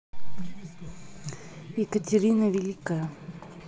екатерина великая